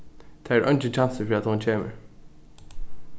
tað er eingin kjansur fyri at hon kemur